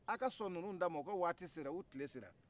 aw ka sɔn ninnu ta ma k'o waati sera o tile sera